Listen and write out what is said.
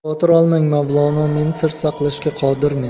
xavotir olmang mavlono men sir saqlashga qodirmen